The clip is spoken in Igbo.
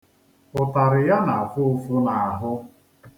Ụtarị ya na-afụ ụfụ n'ahụ.